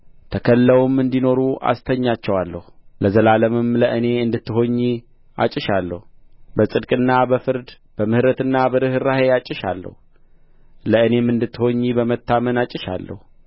ተከልለውም እንዲኖሩ አስተኛቸዋለሁ ለዘላለምም ለእኔ እንድትሆኚ አጭሻለሁ በጽድቅና በፍርድ በምሕረትና በርኅራኄ አጭሻለሁ ለእኔም እንድትሆኚ በመታመን አጭሻለሁ